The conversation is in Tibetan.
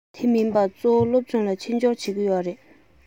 དེ མིན པ གཙོ བོ སློབ གྲྭར ཕྱི འབྱོར བྱེད ཀྱི ཡོད རེད